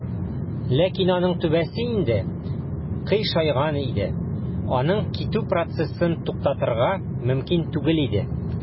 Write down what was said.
Ләкин аның түбәсе инде "кыйшайган" иде, аның китү процессын туктатырга мөмкин түгел иде.